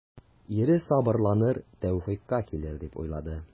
Ире сабырланыр, тәүфыйкка килер дип уйлады.